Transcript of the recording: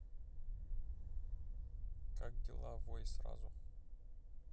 как дела вой сразу